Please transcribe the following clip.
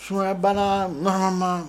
Sumayabana